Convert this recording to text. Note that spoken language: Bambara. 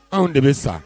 Anw de bɛ sa